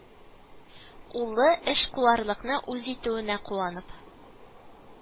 Улы, эшкуарлыкны үз итүенә куанып